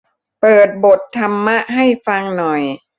เปิดบทธรรมะให้ฟังหน่อย